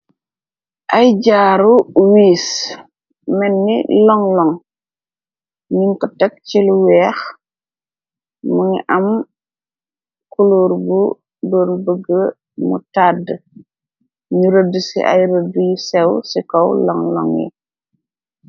Ay jaaru wies menni longlong nin ko teg ci lu weex mu ngi am kuluur bu bun bëgg mu tàdd ñu rëdd ci ay rëdduy séw ci kaw longlong yi.